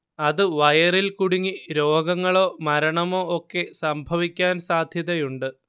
അത് വയറിൽ കുടുങ്ങി രോഗങ്ങളോ മരണമോ ഒക്കെ സംഭവിക്കാൻ സാധ്യതയുണ്ട്